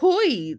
Pwy?